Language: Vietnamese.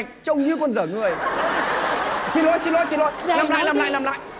trông như con dở người xin lỗi xin lỗi xin lỗi làm lại làm lại làm lại